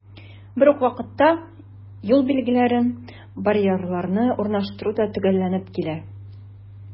Бер үк вакытта, юл билгеләрен, барьерларны урнаштыру да төгәлләнеп килә.